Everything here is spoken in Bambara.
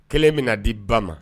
Kelen bɛna na di ba ma